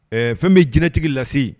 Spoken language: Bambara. Ɛɛ fɛn bɛ j tigi lase